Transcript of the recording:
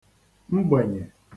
mgbenyè